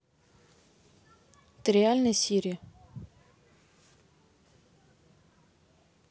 ты реально сири